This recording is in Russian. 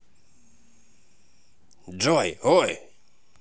джой ой